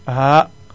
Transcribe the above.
aaaah